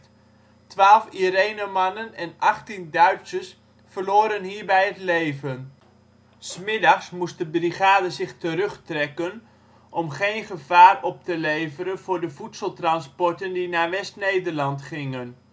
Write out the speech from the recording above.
Irenemannen en achttien Duitsers verloren hierbij het leven. ' s Middags moest de Brigade zich terugtrekken, om geen gevaar op te leveren voor de voedseltransporten die naar West Nederland gingen